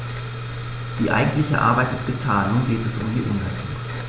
Die eigentliche Arbeit ist getan, nun geht es um die Umsetzung.